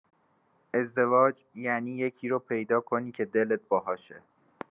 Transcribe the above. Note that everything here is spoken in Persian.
ازدواج یعنی یکی رو پیدا کنی که دلت باهاشه.